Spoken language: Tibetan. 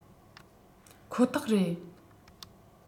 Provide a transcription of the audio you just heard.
ཁོ ཐག རེད